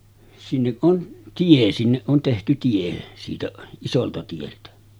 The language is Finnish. sinne on tie sinne on tehty tie siitä isolta tieltä